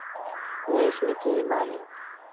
plashni kiyib oling